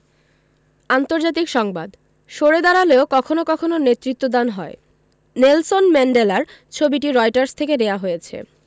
আন্তর্জাতিক সংবাদ সরে দাঁড়ালেও কখনো কখনো নেতৃত্বদান হয় নেলসন ম্যান্ডেলার ছবিটি রয়টার্স থেকে নেয়া হয়েছে